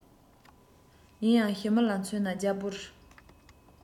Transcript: ཡིན ཡང ཞི མི ལ མཚོན ན རྒྱལ པོར